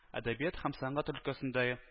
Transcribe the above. Әдәбият һәм сәнгать өлкәсендә